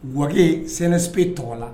Wague CNSP tɔgɔ la